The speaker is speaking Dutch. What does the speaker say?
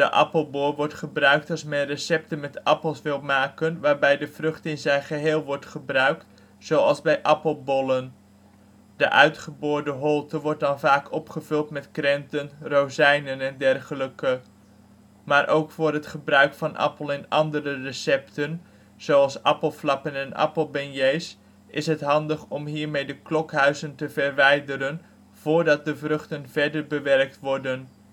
appelboor wordt gebruikt als men recepten met appels wil maken waarbij de vrucht in zijn geheel wordt gebruikt, zoals bij appelbollen. De uitgeboorde holte wordt dan vaak opgevuld met krenten, rozijnen en dergelijke. Maar ook voor het gebruik van appel in andere recepten, zoals appelflappen en appelbeignets is het handig om hiermee de klokhuizen te verwijderen, voordat de vruchten verder bewerkt worden